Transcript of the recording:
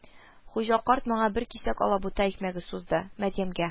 Хуҗа карт моңа бер кисәк алабута икмәге сузды, Мәрьямгә: